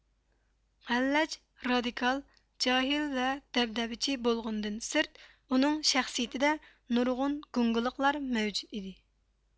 ھەللەج رادىكال جاھىل ۋە دەبدەبىچى بولغىنىدىن سىرت ئۇنىڭ شەخسىيىتىدە نۇرغۇن گۇڭگىلىقلار مەۋجۇت ئىدى